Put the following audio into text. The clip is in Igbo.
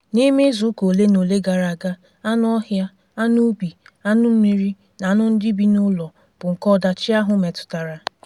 N'ime izu ụka olenaole gaara aga, anụ ọhịa, anụ ubi, anụ mmiri na anụ ndị bi n'ụlọ bụ nke ọdachi ahụ metụtara.